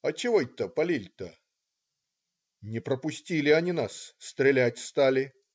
а чевой-то палили-то?" "Не пропустили они нас, стрелять стали.